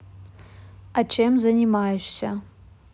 а чем занимаешься